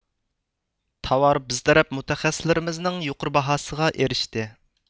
تاۋار بىز تەرەپ مۇتەخەسسسلىرىمىزنىڭ يۇقىرى باھاسىغا ئېرىشتى